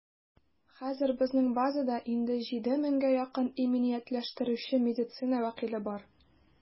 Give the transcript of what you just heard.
Хәзер безнең базада инде 7 меңгә якын иминиятләштерүче медицина вәкиле бар.